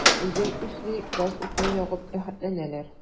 Үзе әйтмешли, газ-утны ягып “рәхәтләнәләр”.